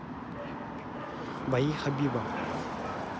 бои хабиба